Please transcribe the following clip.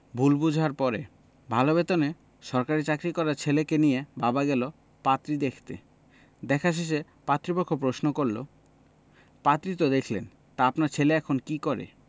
ভুল বোঝার পরে ভালো বেতনে সরকারি চাকরি করা ছেলেকে নিয়ে বাবা গেল পাত্রী দেখতে দেখা শেষে পাত্রীপক্ষ প্রশ্ন করল পাত্রী তো দেখলেন তা আপনার ছেলে এখন কী করে